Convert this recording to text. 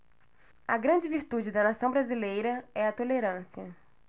a grande virtude da nação brasileira é a tolerância